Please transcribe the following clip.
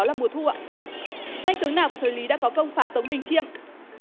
đó là mùa thu ạ danh tướng nào vào thời lý đã có công phá tống bình chiêm